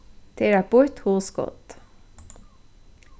tað er eitt býtt hugskot